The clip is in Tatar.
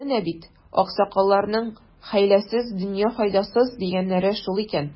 Менә бит, аксакалларның, хәйләсез — дөнья файдасыз, дигәннәре шул икән.